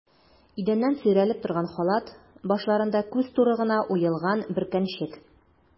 Идәннән сөйрәлеп торган халат, башларында күз туры гына уелган бөркәнчек.